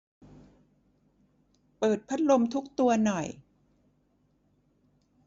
เปิดพัดลมทุกตัวหน่อย